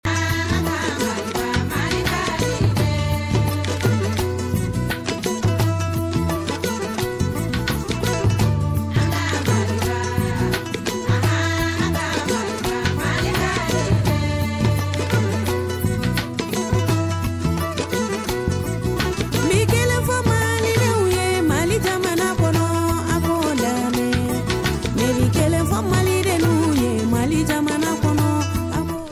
Kelen fo madenw ye mali ja kɔnɔ mɔ kelen mali den ye mali ja kɔnɔ